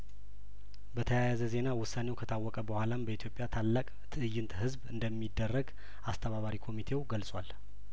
በተያያዘ ዜና ውሳኔው ከታወቀ በኋላም በኢትዮጵያ ታላቅ ትእይንተ ህዝብ እንደሚደረግ አስተባባሪ ኮሚቴው ገልጿል